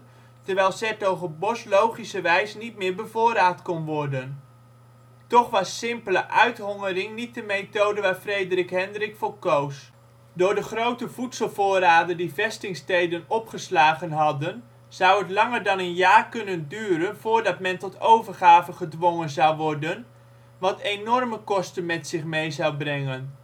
terwijl ' s-Hertogenbosch logischerwijs niet meer bevoorraad kon worden. Toch was simpele uithongering niet de methode waar Frederik Hendrik voor koos. Door de grote voedselvoorraden die vestingsteden opgeslagen hadden zou het langer dan een jaar kunnen duren voordat men tot overgave gedwongen zou worden, wat enorme kosten met zich mee zou brengen